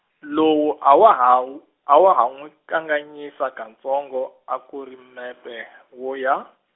lowu a wa hawu a wa ha n'wi kanganyisa kantsongo, a ku ri mepe, wo ya.